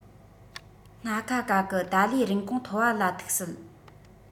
སྣ ཁ ག གི ད ལོའི རིན གོང མཐོ བ ལ ཐུག སྲིད